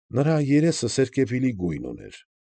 Նրա երեսը սերկևիլի գույն ուներ։